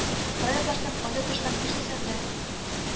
Кая барсам, кайда торсам, нишләсәм дә